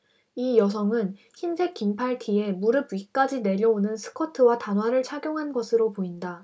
이 여성은 흰색 긴팔 티에 무릎 위까지 내려오는 스커트와 단화를 착용한 것으로 보인다